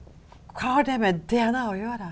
hva har det med DNA å gjøre?